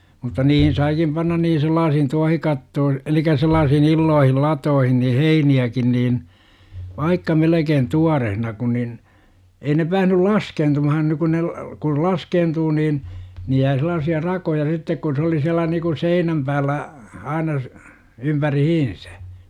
mutta "niihin̬ saikim 'pannan niihi 'sellaasihin 'tuahikattoo-, elikä 'sellaasihin "illoohil 'latoohin ni 'heini₍äkin niin, 'vaikka 'melekeen "tuarehna kun nin, 'ei ne päähnyl "laskeentumahan ne kun ne ‿l-, kul 'laskeentuu niin, ni jää selaasi₍a 'rakoja sittek kun se oli 'siälä niku "seinäm päällä, 'aina ‿s-, "ympärihiinsÄ.